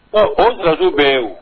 Ɔ o dusulɔjuru bɛ yen